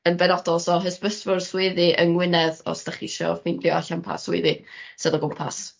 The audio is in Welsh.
yn benodol so hysbysfwrdd swyddi yng Ngwynedd os 'dach chi isio ffeindio allan pa swyddi sydd o gwmpas.